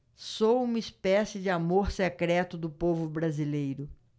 sou uma espécie de amor secreto do povo brasileiro